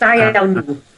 Da iawn nw.